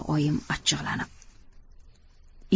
oyim achchiqlanib